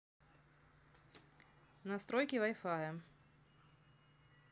настройки вай фая